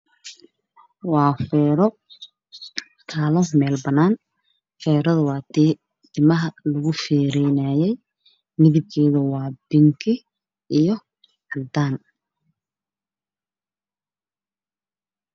Waa feeri taalo meel banan ah feeradu wati timah lagu feeraynay